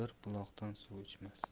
bir buloqdan suv ichmas